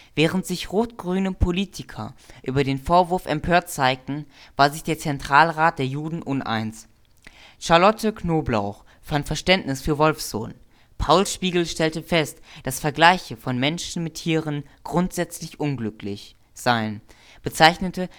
Während sich rot-grüne Politiker über den Vorwurf empört zeigten, war sich der Zentralrat der Juden uneins. Charlotte Knobloch fand Verständnis für Wolffsohn. Paul Spiegel stellte fest, dass Vergleiche von Menschen mit Tieren „ grundsätzlich unglücklich “seien, bezeichnete